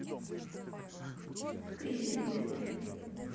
привет пизда